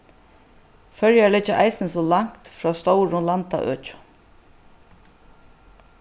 føroyar liggja eisini so langt frá stórum landaøkjum